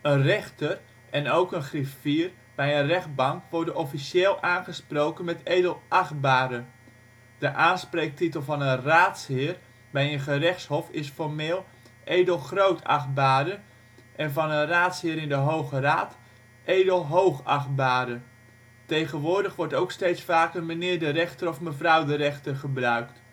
rechter (en ook een griffier) bij een rechtbank wordt officieel aangesproken met " edelachtbare ". De aanspreektitel van een raadsheer bij een gerechtshof is formeel " edelgrootachtbare " en van een raadsheer in de Hoge Raad " edelhoogachtbare ". Tegenwoordig wordt ook steeds vaker " meneer de rechter " of " mevrouw de rechter " gebruikt